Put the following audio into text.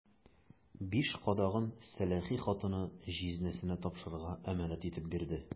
Биш кадагын сәләхи хатыны җизнәсенә тапшырырга әманәт итеп бирде.